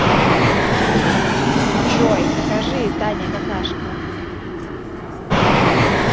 джой скажи таня какашка